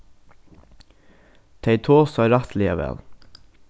tey tosa rættiliga væl